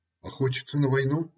- А хочется на войну?